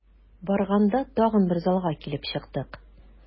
Барганда тагын бер залга килеп чыктык.